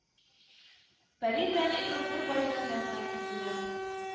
Пәри белән Ибрук бер байның янына килделәр